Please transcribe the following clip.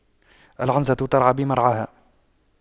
العنزة ترعى بمرعاها